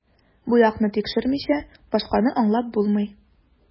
Бу якны тикшермичә, башканы аңлап булмый.